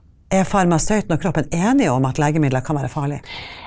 er farmasøyten og kroppen enig om at legemidler kan være farlig?